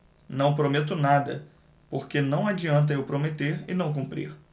não prometo nada porque não adianta eu prometer e não cumprir